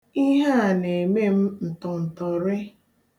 Ihe a na-eme m ntọntọrị.